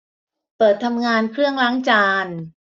เปิดทำงานเครื่องล้างจาน